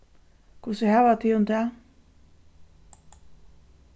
hvussu hava tygum tað